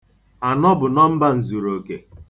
Anọ bụ nọmba nzuroke.